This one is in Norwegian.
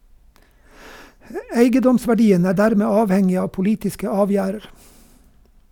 Eigedomsverdien er dermed avhengig av politiske avgjerder.